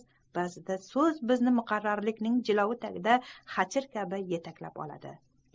bazida soz bizni xachir kabi yetaklab olishi muqarrardir